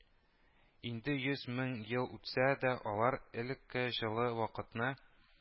Инде йөз мең ел үтсә дә алар элекке җылы вакытны